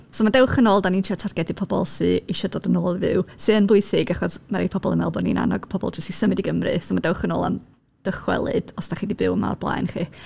So ma' Dewch Yn Ôl, dan ni'n trio targedu pobl sy eisiau dod yn ôl i fyw, sy yn bwysig achos mae rhai pobl yn meddwl bod ni'n annog pobl jyst i symud i Gymru. So mae Dewch Yn Ôl am dychwelyd, os dych chi wedi byw yma o'r blaen 'lly.